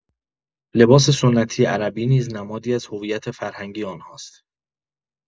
لباس سنتی عربی نیز نمادی از هویت فرهنگی آنهاست؛